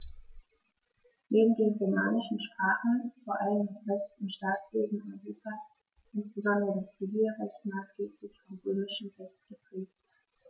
Neben den romanischen Sprachen ist vor allem das Rechts- und Staatswesen Europas, insbesondere das Zivilrecht, maßgeblich vom Römischen Recht geprägt.